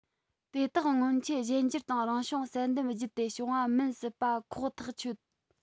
དེ དག སྔོན ཆད གཞན འགྱུར དང རང བྱུང བསལ འདེམས བརྒྱུད དེ བྱུང བ མིན སྲིད པ ཁོག ཐག ཆོད